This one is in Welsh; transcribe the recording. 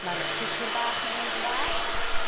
Ma'r pupur bach yn gneud yn dda